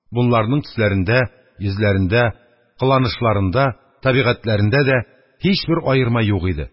Бунларның төсләрендә, йөзләрендә, кылынышларында, табигатьләрендә дә һичбер аерма юк иде.